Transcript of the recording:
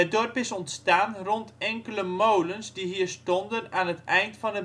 dorp is ontstaan rond enkele molens die hier stonden aan het einde van